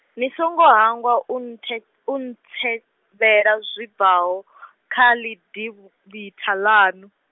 ni songo hangwa u nthe, u ntsevhela zwi bvaho, kha lidivh- -ditha ḽaṋu.